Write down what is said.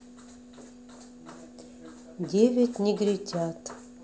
девять негритят